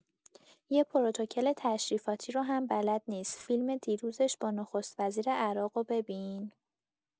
یه پروتکل تشریفاتی رو هم بلد نیست، فیلم دیروزش با نخست‌وزیر عراق رو ببین